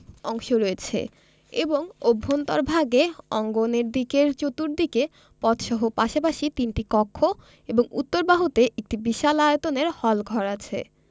অংশ রয়েছে এবং অভ্যন্তরভাগে অঙ্গনের দিকে চতুর্দিকে পথসহ পাশাপাশি তিনটি কক্ষ এবং উত্তর বাহুতে একটি বিশাল আয়তনের হলঘর আছে